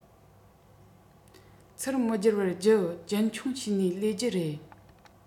ཚུལ མི སྒྱུར བར རྒྱུ རྒྱུན འཁྱོངས བྱས ནས ལས རྒྱུ རེད